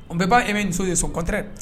N bɛɛba e bɛ ni ye so kɔtɛ